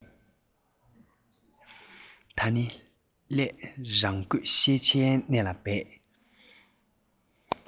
ད ནི སླད རང དགོས ཤེས བྱའི གནས ལ འབད